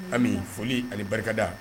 Hali foli ani barikada